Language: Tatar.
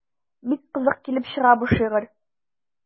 Бик кызык килеп чыга бу шигырь.